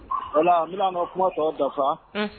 Ayiwa n bɛ kuma tɔ dafa